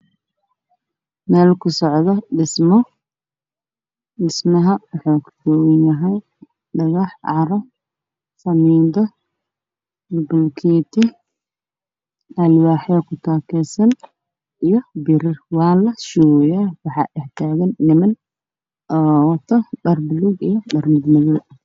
Meel ku socdo dhismo dhismaha waxa uu ka koobanyahy dhagax, caro iyo waxyaabo kale